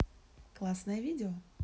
классное видео